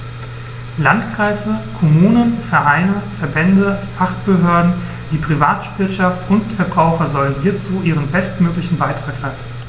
Landkreise, Kommunen, Vereine, Verbände, Fachbehörden, die Privatwirtschaft und die Verbraucher sollen hierzu ihren bestmöglichen Beitrag leisten.